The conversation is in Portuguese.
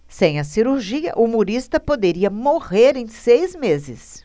sem a cirurgia humorista poderia morrer em seis meses